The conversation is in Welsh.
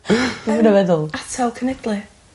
Be' ma' hwnna feddwl? Atal cenedlu.